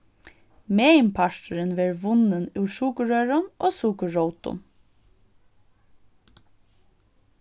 meginparturin verður vunnin úr sukurrørum og sukurrótum